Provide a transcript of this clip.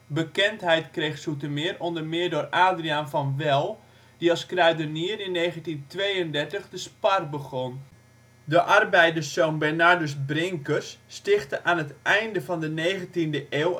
Bekendheid kreeg Zoetermeer onder meer door Adriaan van Well die als kruidenier in 1932 De Spar begon. De arbeiderszoon Bernardus Brinkers stichtte aan het einde van de negentiende eeuw